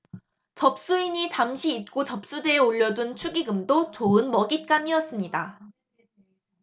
접수인이 잠시 잊고 접수대 위에 놓아둔 축의금도 좋은 먹잇감이었습니다